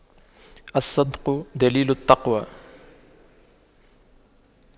الصدق دليل التقوى